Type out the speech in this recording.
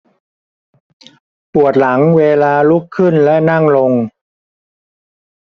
ปวดหลังเวลาลุกขึ้นและนั่งลง